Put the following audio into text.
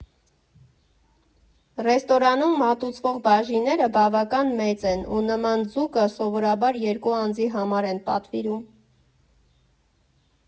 Ռեստորանում մատուցվող բաժինները բավական մեծ են, ու նման ձուկը սովորաբար երկու անձի համար են պատվիրում։